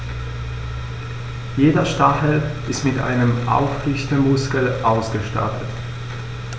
Jeder Stachel ist mit einem Aufrichtemuskel ausgestattet.